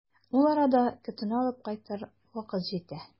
Ул арада көтүне алып кайтыр вакыт җитә.